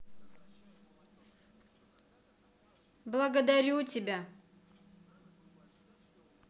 благодарю тебя